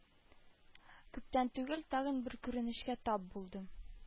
Кγптән тγгел тагын бер кγренешкә тап булдым